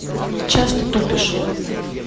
часто тупишь